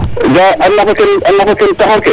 Ga'aa a naf ake a naf aken taxar ke